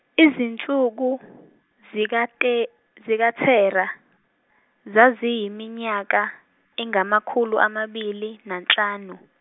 izinsuku zika Te- zika Thera zaziyiminyaka engamakhulu amabili nanhlanu.